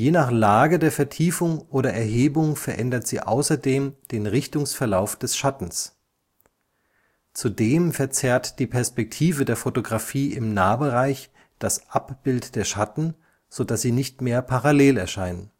nach Lage der Vertiefung oder Erhebung verändert sie außerdem den Richtungsverlauf des Schattens. Zudem verzerrt die Perspektive der Fotografie im Nahbereich das Abbild der Schatten, so dass sie nicht mehr parallel erscheinen